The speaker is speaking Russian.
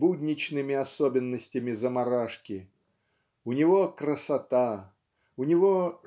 будничными особенностями замарашки. У него красота, у него